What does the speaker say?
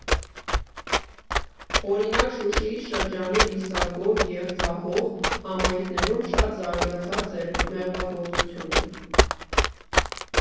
Օրինակ Շուշիի շրջանի Լիսագոր, Եղցահող համայնքներում շատ զարգացած էր մեղվագործությունը։